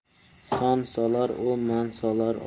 sansolar u mansolar